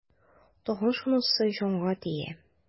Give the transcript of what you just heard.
Тагын шунысы җанга тия.